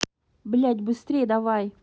блядь быстрей давай